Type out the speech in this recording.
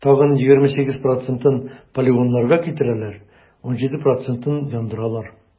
Тагын 28 процентын полигоннарга китерәләр, 17 процентын - яндыралар.